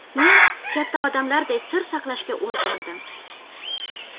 men katta odamlarday sir saqlashga o'rgandim